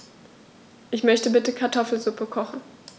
Ich möchte bitte Kartoffelsuppe kochen.